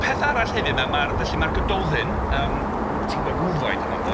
Peth arall hefyd ma' ma'r felly ma'r Gododdin, yym m- ti'n gwybod rhyw faint amdano fo.